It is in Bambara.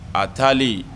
A taalen